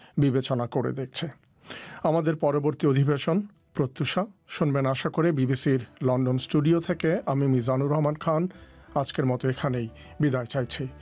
বিবেচনা করে দেখছে আমাদের পরবর্তী অধিবেশন প্রত্যুষা শুনবেন আশা করি বিবিসি লন্ডন স্টুডিও থেকে আমি মিজানুর রহমান খান আজকের মত এখানেই বিদায় চাইছি